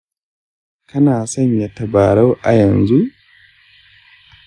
kana sanya tabarau a yanzu?